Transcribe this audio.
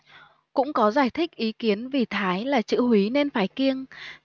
cũng có giải thích ý kiến vì thái là chữ húy nên phải kiêng